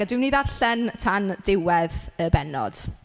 A dwi'n mynd i ddarllen tan diwedd y bennod.